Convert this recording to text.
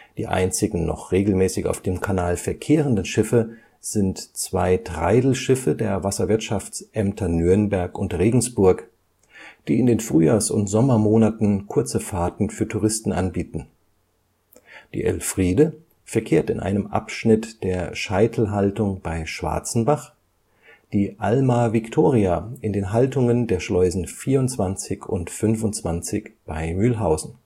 Die einzigen noch regelmäßig auf dem Kanal verkehrenden Schiffe sind zwei Treidelschiffe der Wasserwirtschaftsämter Nürnberg und Regensburg, die in den Frühjahrs - und Sommermonaten kurze Fahrten für Touristen anbieten. Die Elfriede verkehrt in einem Abschnitt der Scheitelhaltung bei Schwarzenbach, die Alma-Viktoria in den Haltungen der Schleusen 24 und 25 bei Mühlhausen